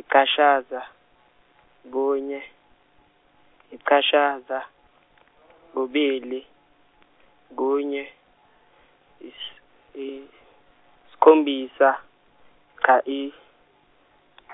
ichashaza, kunye, ichashaza, kubili, kunye, is- i- isikhombisa, cha i-